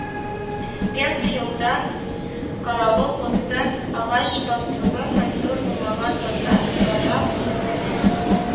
Пенза елда каравыл посты агач бастругы һәм зур булмаган посад буларак нигезләнә